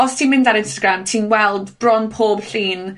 os ti'n mynd ar Instagram, ti 'n weld bron pob llun,